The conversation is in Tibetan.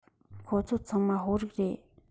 ཁོ ཚོ ཚང མ ཧོར རིགས རེད